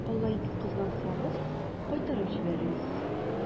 Алай бик кызгансагыз, кайтарып җибәрегез.